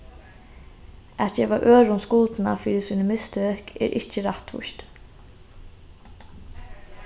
at geva øðrum skuldina fyri síni mistøk er ikki rættvíst